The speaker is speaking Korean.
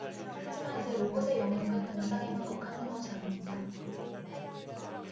하지만 이제 로봇의 영역은 공장에만 국한된 것이 아닙니다